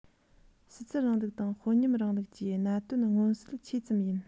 ཕྱི ཚུལ རིང ལུགས དང དཔོན ཉམས རིང ལུགས ཀྱི གནད དོན མངོན གསལ ཆེ ཙམ ཡིན